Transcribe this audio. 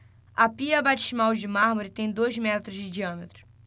a pia batismal de mármore tem dois metros de diâmetro